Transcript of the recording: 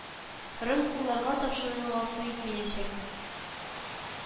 Рым кулларга тапшыруны гафу итмәячәк